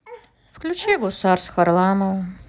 включи гусар с харламовым